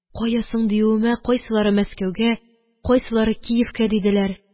«кая соң?» диюемә кайсылары мәскәүгә, кайсылары киевка диделәр.